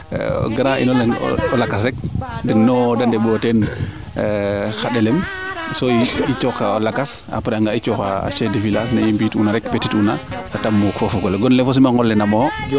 grand in o lakas rek no de ɗeɓoyo teen xa ɗelem so i cooox ka a lakas aprs anga i cooxa chef du village ne i mbi it uuna rek ne i ndeetid uuna te tag toor fo o fogole gon le namoo